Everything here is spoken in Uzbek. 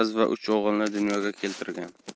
va uch o'g'ilni dunyoga keltirgan